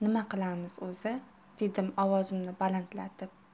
nima qilamiz o'zi dedim ovozimni balandlatib